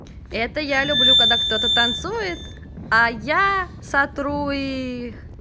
это я люблю когда кто то танцует и я сатрю их